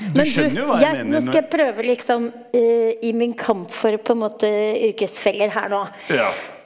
men du, jeg nå skal jeg prøve liksom i min kamp for på en måte yrkesfeller her nå.